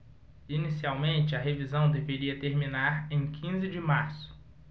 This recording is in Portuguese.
inicialmente a revisão deveria terminar em quinze de março